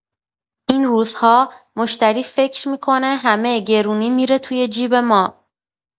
این روزها مشتری فکر می‌کنه همه گرونی می‌ره توی جیب ما.